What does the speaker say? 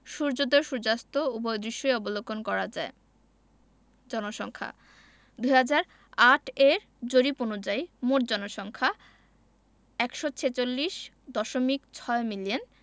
সূর্যোদয় ও সূর্যাস্ত উভয় দৃশ্যই অবলোকন করা যায় জনসংখ্যাঃ ২০০৮ এর জরিপ অনুযায়ী মোট জনসংখ্যা ১৪৬দশমিক ৬ মিলিয়ন